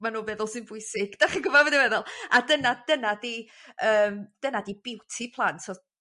Ma' nw feddwl sy'n bwysig dach chi'n gwbod be' dwi meddwl? A dyna dyna 'di yym dyna 'di beauty plant o